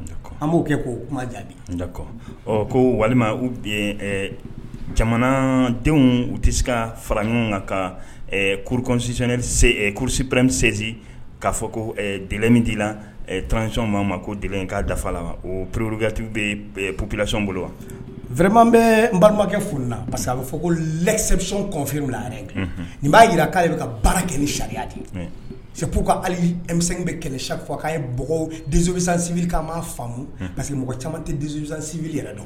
An b'o kɛ k jaabi ko walima u bi jamanadenw u tɛ se ka fara ɲɔgɔn kan ka kuruksisipremesin k'a fɔ ko min t' la tsi b'a ma ko ka dafafa la o pereururuyati bɛ pplasion bolo wa vma bɛ n balimakɛ foli la parce que a bɛ fɔ ko lɛsɔn kɔffiri la nin b'a jira k'a yɛrɛ bɛ ka baara kɛ ni sariya de ye sabuu ka alimisɛnsɛn bɛ kɛlɛ sa fɔ k'a ye bɔ debisansibi ka ma faamumu parce que mɔgɔ caman tɛ dizzsansiv yɛrɛ dɔn